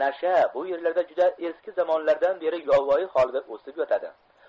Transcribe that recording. nasha bu yerlarda juda eski zamonlardan beri yovvoyi holida o'sib yotadi